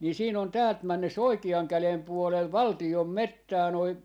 niin siinä on täältä mennessä oikean käden puolella valtion metsää noin